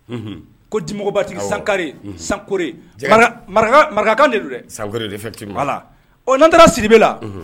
Unhun ko dimɔgɔbatigi sankare unhun sankore ja mara maraka marakakan de don dɛ sankore do effectivement voilà ɔ n'an taara Sidibe la unhun